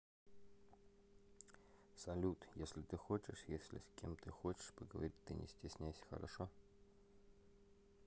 салют если ты хочешь если с кем ты хочешь поговорить ты не стесняйся хорошо